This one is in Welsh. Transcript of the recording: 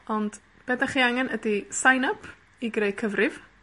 Ond be' 'dach chi angen ydi Sign Up i greu cyfrif.